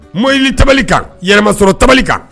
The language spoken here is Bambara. Moyili tabali kan yɛlɛmamasɔrɔ tabalili kan